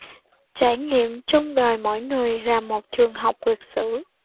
trải nghiệm trong đời mỗi người là một trường học lịch sử